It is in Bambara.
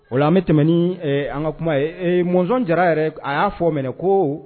O an bɛ tɛmɛ ni an ka kuma mɔnzɔn jara yɛrɛ a y'a fɔ' minɛ ko